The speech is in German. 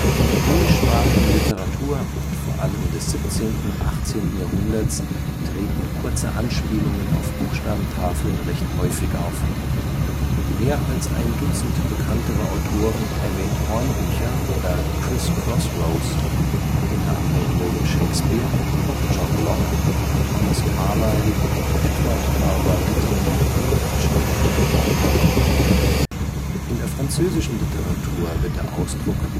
In der englischsprachigen Literatur, vor allem des 17. und 18. Jahrhunderts, treten kurze Anspielungen auf Buchstabentafeln recht häufig auf. Mehr als ein Dutzend bekanntere Autoren erwähnt Hornbücher oder “Criss-cross-rows”, unter anderem William Shakespeare, John Locke, Thomas Carlyle, Edward Bulwer-Lytton und Charlotte Brontë. In der französischen Literatur wird der Ausdruck